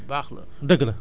kooku la ñu naan compost